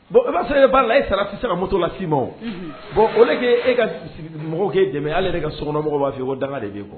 Bon i'a sɔrɔ e b'a la e sara sisanse ka motola si ma bɔn' e ka mɔgɔwkɛ dɛmɛ'ale de ka sokɔnɔmɔgɔ b'a fɛ ko dagaga de bɛ kuwa